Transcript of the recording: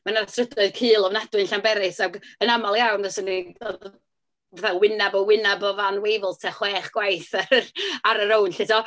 Mae 'na strydoedd cul ofnadwy yn Llanberis, ac yn aml iawn fyswn i'n dod fatha wyneb-yn-wyneb efo fan Wavell's tua chwech gwaith ar yr... ar y rownd 'lly, ti'bo.